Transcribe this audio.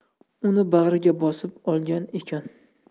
uni bag'riga bosib olgan ekan